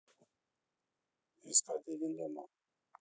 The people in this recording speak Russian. искать один дома